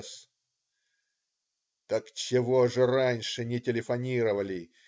С. : "так чего же раньше не телефонировали!